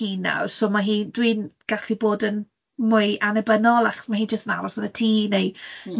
hŷn nawr, so ma' hi dwi'n gallu bod yn mwy annibynnol achos ma' hi jyst yn aros yn y tŷ neu... Ie